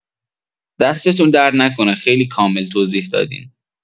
دستتون درد نکنه، خیلی کامل توضیح دادید.